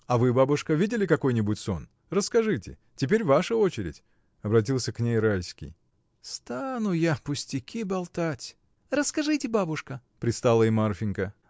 — А вы, бабушка, видели какой-нибудь сон? расскажите. Теперь ваша очередь! — обратился к ней Райский. — Стану я пустяки болтать! — Расскажите, бабушка! — пристала и Марфинька.